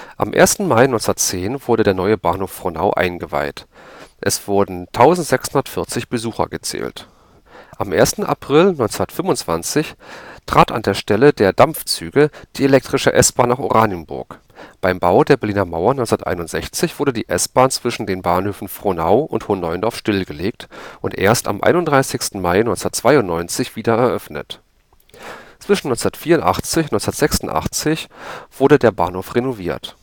Am 1. Mai 1910 wurde der neue Bahnhof Frohnau eingeweiht; es wurden 1640 Besucher gezählt. Am 1. April 1925 trat an der Stelle der Dampfzüge die elektrische S-Bahn nach Oranienburg. Beim Bau der Berliner Mauer 1961 wurde die S-Bahn zwischen den Bahnhöfen Frohnau und Hohen Neuendorf stillgelegt und erst am 31. Mai 1992 wieder eröffnet. Zwischen 1984 und 1986 wurde der Bahnhof renoviert